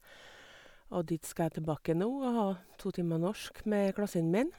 Og dit skal jeg tilbake nå og ha to timer norsk med klassen min.